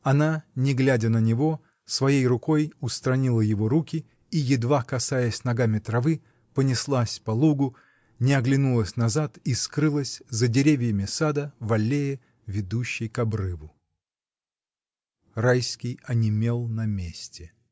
Она, не глядя на него, своей рукой устранила его руки и, едва касаясь ногами травы, понеслась по лугу, не оглянулась назад и скрылась за деревьями сада, в аллее, ведущей к обрыву. Райский онемел на месте.